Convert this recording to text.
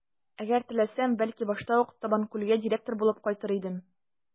Әгәр теләсәм, бәлки, башта ук Табанкүлгә директор булып кайтыр идем.